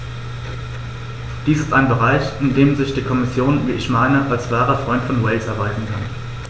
Dies ist ein Bereich, in dem sich die Kommission, wie ich meine, als wahrer Freund von Wales erweisen kann.